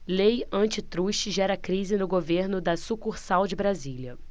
lei antitruste gera crise no governo da sucursal de brasília